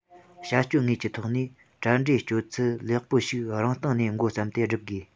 བྱ སྤྱོད དངོས ཀྱི ཐོག ནས དྲ འབྲེལ སྤྱོད ཚུལ ལེགས པོ ཞིག རང སྟེང ནས མགོ བརྩམས ཏེ བསྒྲུབ དགོས